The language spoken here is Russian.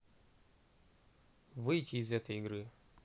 выйти из этой игры